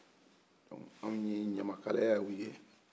donc anw ye ɲamakalaw ye